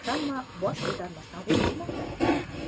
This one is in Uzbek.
hamma bosh ko'tarmasdan o'qiyapti